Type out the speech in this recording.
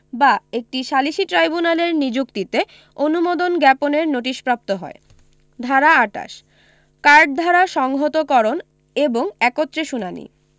বা একটি সালিসী ট্রাইব্যুনালের নিযুক্তিতে অনুমোদন জ্ঞাপনের নোটিশপ্রাপ্ত হয় ধারা ২৮ কার্ডধারা সংহতকরণ এবং একত্রে শুনানী